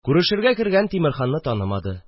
Күрешергә кергән Тимерханны танымады